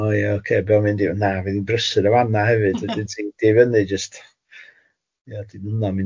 o ie ocê bewn mynd i na fydd hi'n brysur yn fan'na hefyd wedyn ti'n endio fyny jys,t ia di hwnna mynd i nunlla lly.